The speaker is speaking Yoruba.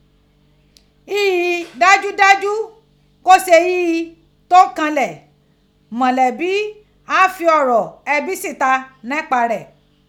Ghii dajudaju kose ghin to kanlẹ, mọlẹbi a fi ọrọ ẹbi sita nipa rẹ.